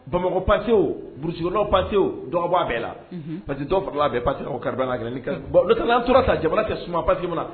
Bamakɔ pasewururna pase dɔgɔbɔ bɛɛ la pa que dɔw farala bɛ pase kari la tora jamana kɛ suma pati minna na